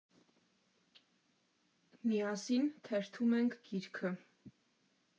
Միասին թերթում ենք գիրքը.